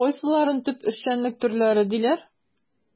Кайсыларын төп эшчәнлек төрләре диләр?